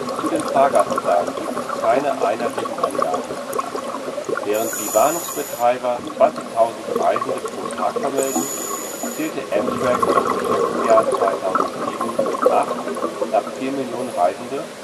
Zu den Fahrgastzahlen gibt es keine einheitlichen Angaben. Während die Bahnhofsbetreiber 20.000 Reisende pro Tag vermelden, zählte Amtrak für das Geschäftsjahr 2007/08 knapp vier Millionen Reisende